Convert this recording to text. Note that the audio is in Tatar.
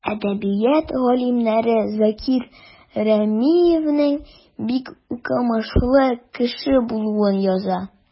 Әдәбият галимнәре Закир Рәмиевнең бик укымышлы кеше булуын яза.